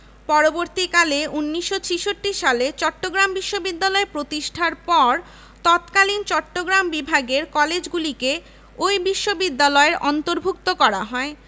পরবর্তীকালে ১৯৬৬ সালে চট্টগ্রাম বিশ্ববিদ্যালয় প্রতিষ্ঠার পর তৎকালীন চট্টগ্রাম বিভাগের কলেজগুলিকে ওই বিশ্ববিদ্যালয়ের অন্তর্ভুক্ত করা হয়